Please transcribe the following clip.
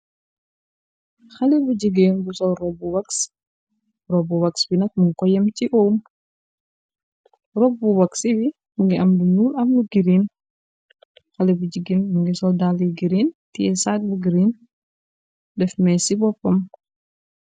Xale bu jigéen bu sol rob bu wogs rob bu woxsi bi nag mun ko yem ci owm rob bu wog bi ngi am lu nuul am lu girin xale bu jigeen bu ngi sol dali girin tie saag bu green def mees ci boppam.